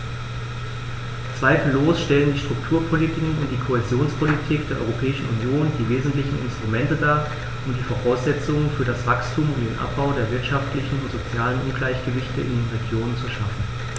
Zweifellos stellen die Strukturpolitiken und die Kohäsionspolitik der Europäischen Union die wesentlichen Instrumente dar, um die Voraussetzungen für das Wachstum und den Abbau der wirtschaftlichen und sozialen Ungleichgewichte in den Regionen zu schaffen.